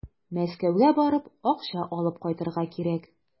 Мәскәүгә барып, акча алып кайтырга кирәк.